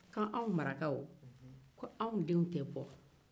ko anw marakaw ko anw denw tɛ bɔ